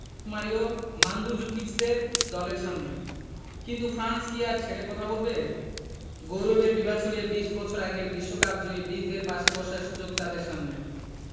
Mario মান্দুজুকিচদের দলের সামনে কিন্তু ফ্রান্স কি আর ছেড়ে কথা বলবে গৌরবের বিভা ছড়িয়ে ২০ বছর আগের বিশ্বকাপজয়ী বীরদের পাশে বসার সুযোগ তাদের সামনে